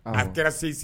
A kɛra sese